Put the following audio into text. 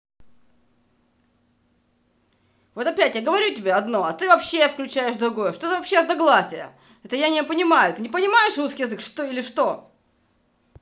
вот опять я говорю тебе одно а ты вообще включаешь другое что за вообще разноглассие это я не понимаю ты не понимаешь русский язык или что